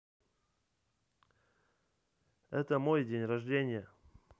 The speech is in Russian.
это мой день рождения